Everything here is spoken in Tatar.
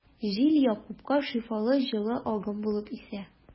Җил Якупка шифалы җылы агым булып исә.